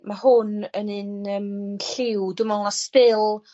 mae hwn yn un yym lliw dwi me'wl ma' still